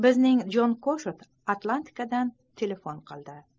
bizning jon koshut atlantadan qo'ng'iroq qildi